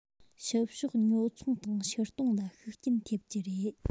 ཕྱི ཕྱོགས ཉོ ཚོང དང ཕྱིར གཏོང ལ ཤུགས རྐྱེན ཐེབས ཀྱི རེད